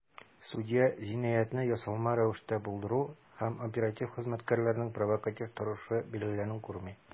Судья "җинаятьне ясалма рәвештә булдыру" һәм "оператив хезмәткәрләрнең провокатив торышы" билгеләрен күрми.